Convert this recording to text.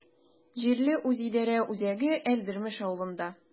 Җирле үзидарә үзәге Әлдермеш авылында.